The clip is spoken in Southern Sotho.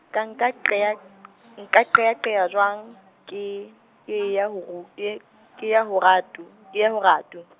ka nka qea-, nka qeaqea jwang, ke, ke ya ho ru-, ke ya ho ratu, ke ya ho ratu.